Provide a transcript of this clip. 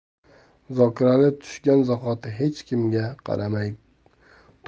zokirali tushgan zahoti hech kimga qaramay to'rni